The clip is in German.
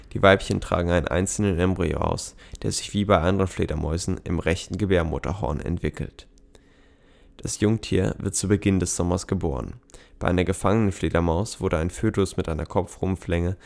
Die Weibchen tragen einen einzelnen Embryo aus, der sich wie bei anderen Fledermäusen im rechten Gebärmutterhorn entwickelt. Das Jungtier wird zu Beginn des Sommers geboren. Bei einer gefangenen Fledermaus wurde ein Fötus mit einer Kopf-Rumpf-Länge